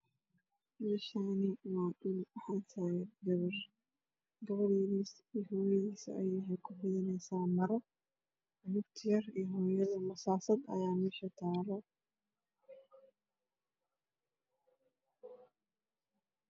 Meeshaan waa dhul waxaa taagan gabar yar maamadu waxay u fidineysa maro gabarta basaasad ayaa ag taalo.